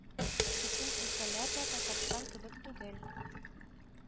Бөтен өлкәләр дә Татарстан кебек түгел